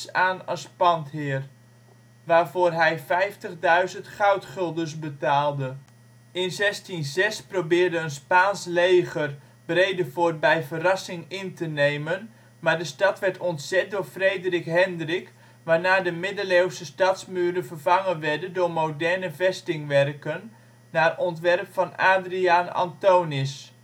aan als pandheer, waarvoor hij 50.000 goudguldens betaalde. In 1606 probeerde een Spaans leger Bredevoort bij verrassing in te nemen, maar de stad werd ontzet door Frederik Hendrik waarna de middeleeuwse stadsmuren vervangen werden door moderne vestingwerken naar ontwerp van Adriaen Anthonisz